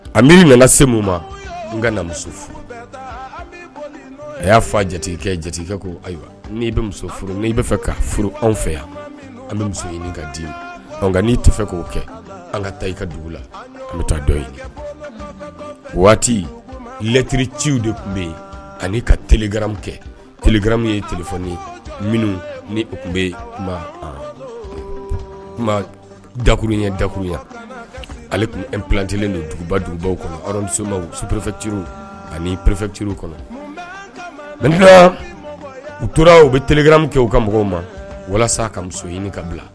A miiri nana se mun ma n ka na muso furu a y'a fɔ a jatigikɛ jatigikɛ ko ayiwa n'i bɛ muso furu n bɛ fɛ ka furu anw fɛ yan an bɛ muso ɲini ka di nka n'i tɛ fɛ k'o kɛ an ka taa i ka dugu la an bɛ taa dɔ ye waatilɛtiriri ciw de tun bɛ yen ani ka tkmi kɛ tkmi ye tfɔ ni minnu ni u tun bɛ yen kuma kuma dakurun ye dakuruya ale tun n ptilen ni duguba dugubaw kɔnɔmusoba su purfɛtiriuru ani ppfetiri kɔnɔ n u tora u bɛ tkkami kɛ u ka mɔgɔw ma walasa ka muso ɲini ka bila